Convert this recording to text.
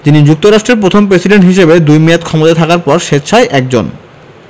যিনি যুক্তরাষ্ট্রের প্রথম প্রেসিডেন্ট হিসেবে দুই মেয়াদ ক্ষমতায় থাকার পর স্বেচ্ছায় একজন